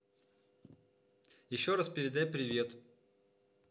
еще раз передавай привет